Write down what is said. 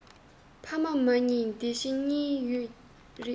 ཕ མ མ མཉེས འདི ཕྱི གཉིས ཡོད རེད